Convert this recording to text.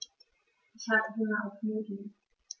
Ich habe Hunger auf Nudeln.